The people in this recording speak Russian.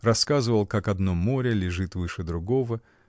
рассказывал, как одно море лежит выше другого